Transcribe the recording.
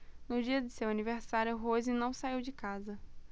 no dia de seu aniversário rose não saiu de casa